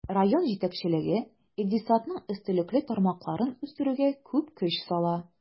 Район җитәкчелеге икътисадның өстенлекле тармакларын үстерүгә күп көч сала.